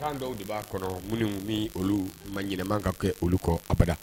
Kan dɔw de b'a kɔnɔ minnu ni olu ma ɲɛnama ka kɛ olu kɔ abada